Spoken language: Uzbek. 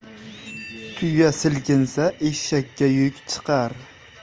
tuya silkinsa eshakka yuk chiqar